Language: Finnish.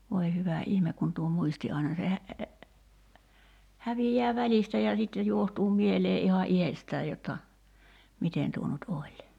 voi hyvä ihme kun tuo muisti aina se - häviää välistä ja sitten johtuu mieleen ihan itsestään jotta miten tuo nyt oli